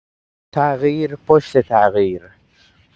تغییر پشت تغییر